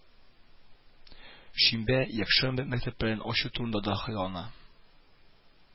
Шимбә, якшәмбе мәктәпләрен ачу турында да хыяллана